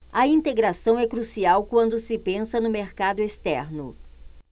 a integração é crucial quando se pensa no mercado externo